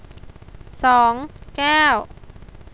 สองแก้ว